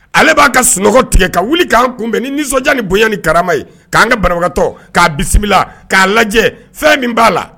Ale b'a ka sunɔgɔ tigɛ ka wuli k'an kunbɛn ni nisɔndiya ni bonya ni karama ye, k'an ka banabagatɔ k'a bisimila k'a lajɛ, fɛn min b'a la